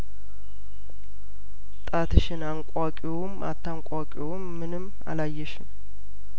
ጣትሽን አንቋ ቂውም አታንቋቂውም ምንም አላየሽም